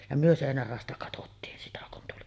ja me seinän raosta katsottiin sitä kun tuli